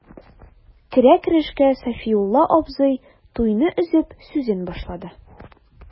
Керә-керешкә Сафиулла абзый, туйны өзеп, сүзен башлады.